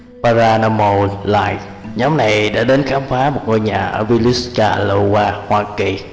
paranormal light nhóm này đến khám phá một ngôi nhà ở villisca lowa hoa kỳ